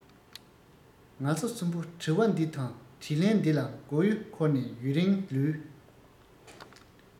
ང ཚོ གསུམ པོ དྲི བ འདི དང དྲིས ལན འདི ལ མགོ ཡུ འཁོར ནས ཡུན རིང ལུས